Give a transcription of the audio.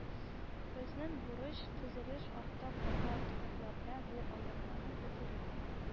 “безнең бурыч – төзелеш артта калган төбәкләрдә бу аерманы бетерү